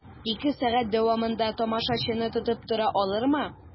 Ике сәгать дәвамында тамашачыны тотып тора алырмы?